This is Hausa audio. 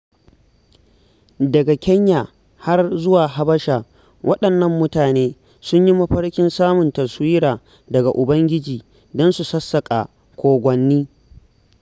Daga Kenya har zuwa Habasha, waɗannan mutane sun yi mafarkin samun "taswira" daga ubangiji don su sassaƙa kogwanni.